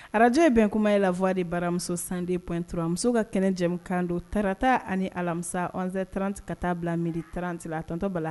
Arajo ye bɛn kuma ye lawaa de baramuso san de pur musow ka kɛnɛ jɛ kan don tata ani alamisa 2 tanranti ka taa bila mi taranti la tɔntɔba